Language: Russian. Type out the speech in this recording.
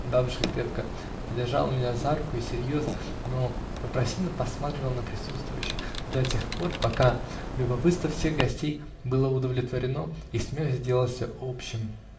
Бабушка крепко держала меня за руку и серьезно, но вопросительно посматривала на присутствующих До тех пор, пока любопытство всех гостей было удовлетворено и смех сделался общим.